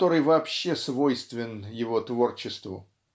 который вообще свойствен его творчеству.